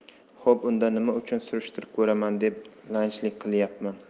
xo'p unda nima uchun surishtirib ko'raman deb lanjlik qilyapman